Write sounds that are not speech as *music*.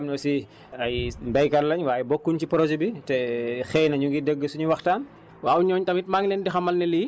*hesitation* sa yeneen ñeneen ñi nga xam ne aussi *breath* ay béykat lañ waaye bokkuñ ci projet bi te *hesitation* xëy na ñu ngi dégg suñu waxtaan